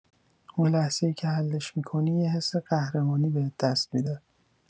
اون لحظه‌ای که حلش می‌کنی، یه حس قهرمانی بهت دست می‌ده!